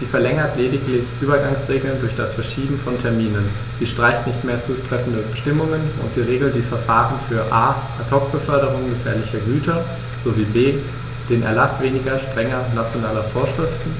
Sie verlängert lediglich Übergangsregeln durch das Verschieben von Terminen, sie streicht nicht mehr zutreffende Bestimmungen, und sie regelt die Verfahren für a) Ad hoc-Beförderungen gefährlicher Güter sowie b) den Erlaß weniger strenger nationaler Vorschriften,